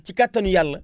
ci kattanu yàlla